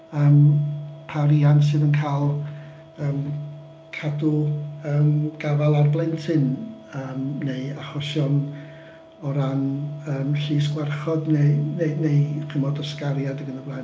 Yym pa riant sydd yn cael yym cadw yym gafael ar blentyn yym neu achosion o ran yym llys gwarchod neu neu neu chimod ysgariad ac yn y blaen.